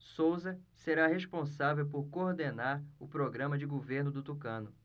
souza será responsável por coordenar o programa de governo do tucano